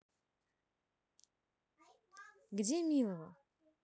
где милого